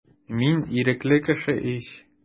Мин ирекле кеше ич.